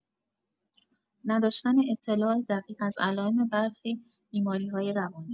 نداشتن اطلاع دقیق از علائم برخی بیماری‌های روانی